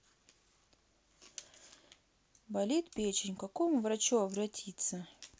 болит печень к какому врачу обратиться